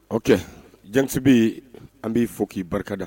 O kɛ jan bɛ an b bɛi fɔ k'i barikada